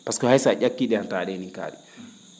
pasque hay so a ?akkii?e han taa ?eenin kaa?i